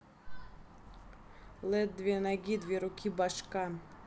led две ноги две руки башка